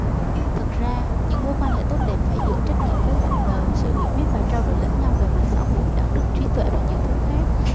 thực ra những mối quan hệ tốt đẹp phải dựa trách nhiệm với bạn đời sự hiểu biết và trao đổi lẫn nhau về mặt xã hội đạo đức trí tuệ và nhiều thứ khác